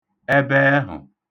ẹbẹ ẹhụ̀